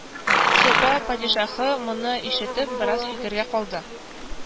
Сәба падишаһы, моны ишетеп, бераз фикергә калды